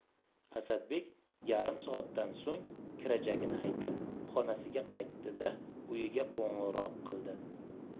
asadbek yarim soatdan so'ng kirajagini aytib xonasiga qaytdi da uyiga qo'ng'iroq qildi